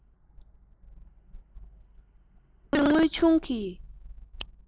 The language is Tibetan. མཐོང ཐོས དངོས བྱུང གི